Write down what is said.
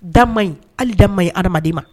Da ma ɲi dama ma ɲi ha adamaden ma